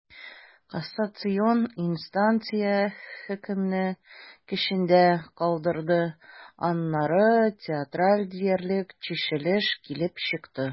Кассацион инстанция хөкемне көчендә калдырды, аннары театраль диярлек чишелеш килеп чыкты.